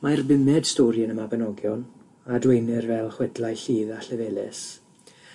Mae'r bumed stori yn y Mabinogion a adwaenir fel chwedlau Lludd a Llefelys